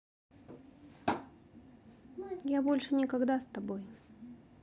я больше никогда с тобой